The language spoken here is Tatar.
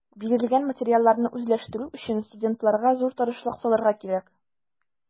Бирелгән материалны үзләштерү өчен студентларга зур тырышлык салырга кирәк.